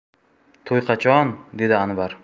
to'y qachon dedi anvar